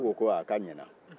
olu ko ko aa ko a ɲɛna